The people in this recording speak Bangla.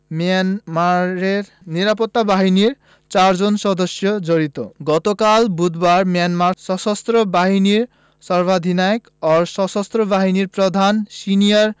মিয়ানমারের নিরাপত্তা বাহিনীর চারজন সদস্য জড়িত গতকাল বুধবার মিয়ানমার সশস্ত্র বাহিনীর সর্বাধিনায়ক ও সশস্ত্র বাহিনীর প্রধান সিনিয়র